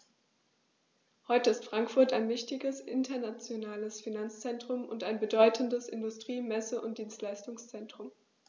Heute ist Frankfurt ein wichtiges, internationales Finanzzentrum und ein bedeutendes Industrie-, Messe- und Dienstleistungszentrum.